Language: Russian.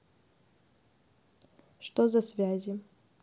что за связи